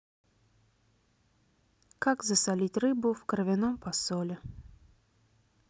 как засолить рыбу в кровяном посоле